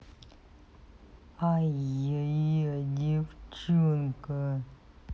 ай я я девчонка